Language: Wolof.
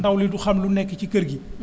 ndaw li du xam lu nekk ci kër gi